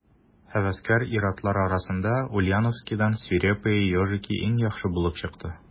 Һәвәскәр ир-атлар арасында Ульяновскидан «Свирепые ежики» иң яхшы булып чыкты.